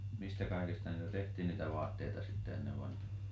mistä kaikesta niitä tehtiin niitä vaatteita sitten ennen vanhaan